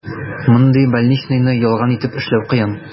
Мондый больничныйны ялган итеп эшләү кыен.